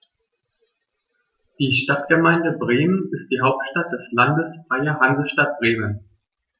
Die Stadtgemeinde Bremen ist die Hauptstadt des Landes Freie Hansestadt Bremen.